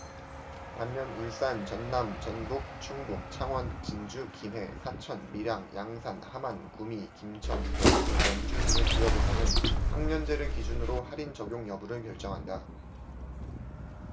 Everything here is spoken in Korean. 반면 울산 전남 전북 충북 창원 진주 김해 사천 밀양 양산 함안 구미 김천 경주 원주 등의 지역에서는 학년제를 기준으로 할인 적용 여부를 결정한다